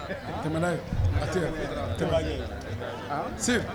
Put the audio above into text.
Tɛmɛ n'a ye, tɛmɛ n'an ye se